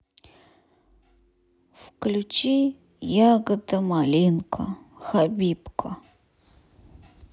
включи ягода малинка хабибка